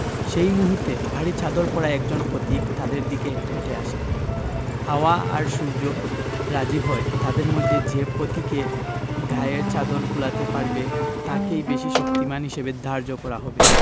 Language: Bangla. সেই মুহূর্তে ভারি চাদর পরা একজন পথিক তাদের দিকে হেটে আসেন হাওয়া আর সূর্য রাজি হয় তাদের মধ্যে যে পথিকে গায়ের চাদর খোলাতে পারবে তাকেই বেশি শক্তিমান হিসেবে ধার্য করা হবে